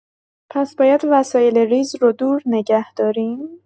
پس باید وسایل ریز رو دور نگه داریم؟